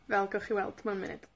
Fel gewch chi weld mewn munud.